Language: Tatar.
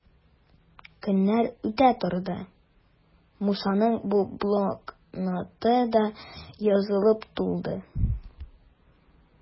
Көннәр үтә торды, Мусаның бу блокноты да язылып тулды.